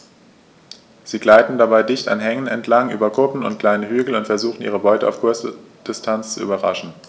Sie gleiten dabei dicht an Hängen entlang, über Kuppen und kleine Hügel und versuchen ihre Beute auf kurze Distanz zu überraschen.